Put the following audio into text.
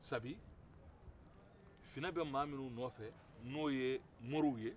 sabu finɛ bɛ maa minnu nɔfɛ n'o ye moriw ye